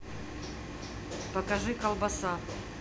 покажи колбаса